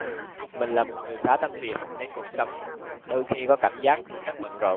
mình là một người khá tham việc nên cuộc sống đôi khi có cảm giác rất bận rộn